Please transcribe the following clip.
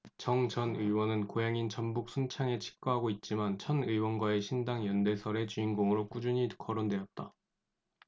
정 전 의원은 고향인 전북 순창에 칩거하고 있지만 천 의원과의 신당 연대설의 주인공으로 꾸준히 거론돼왔다